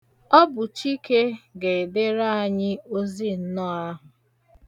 Ọ bụ Chike ga-edere anyị ozi nnọọ ahụ.